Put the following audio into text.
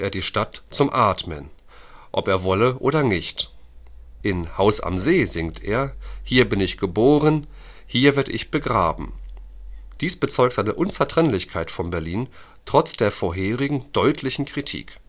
die Stadt „ zum Atmen “, ob er wolle oder nicht. In Haus am See singt er: „ Hier bin ich geboren, hier werd ich begraben “. Dies bezeugt seine Unzertrennlichkeit von Berlin, trotz der vorherigen deutlichen Kritik